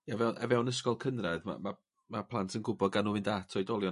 Ie fe- o fewn ysgol cynredd ma' ma' ma' plant yn gwbod ga nw fynd at oedolion